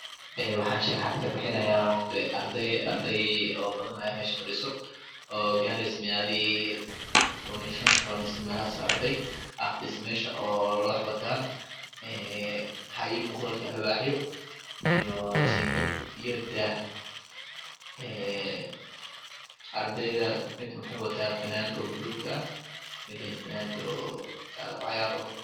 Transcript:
Een waxasharaxadkabixinayaa Arday badanayaa meelfadhiso o gareyso tabaniyoshan melahas Arday afadhiso oloxwatan Een waxa imuqdo Alwax yo iyo jingad iyo daah Een Ardayda mid wuxu watafananad balug ah midna fananad lugucayarowato